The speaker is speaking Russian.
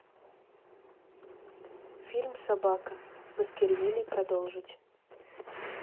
фильм собака баскервилей продолжить